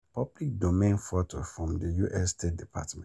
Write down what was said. Public Domain photo from the US State Department.